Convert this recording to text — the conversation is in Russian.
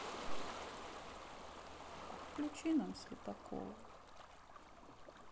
включи нам слепакова